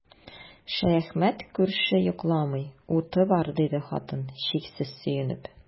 Шәяхмәт күрше йокламый, уты бар, диде хатын, чиксез сөенеп.